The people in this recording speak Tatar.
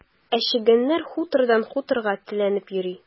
Ә чегәннәр хутордан хуторга теләнеп йөри.